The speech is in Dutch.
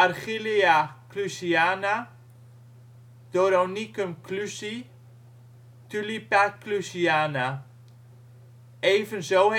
Achillea clusiana Doronicum clusii Tulipa clusiana Evenzo